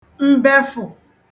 mbefụ̀